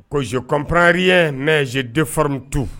Kozopri ye neze derintu